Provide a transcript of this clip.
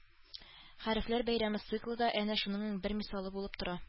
«хәрефләр бәйрәме» циклы да әнә шуның бер мисалы булып тора